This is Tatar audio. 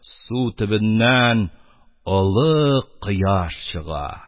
Су төбеннән олы кояш чыга.